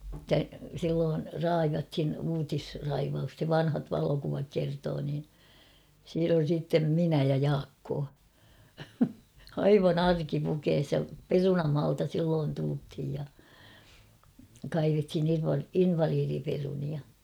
että silloin raivattiin uutisraivausta se vanhat valokuvat kertoo niin siinä on sitten minä ja Jaakko aivan arkipukeissa ja perunamaalta silloin tultiin ja kaivettiin - invalidiperunoita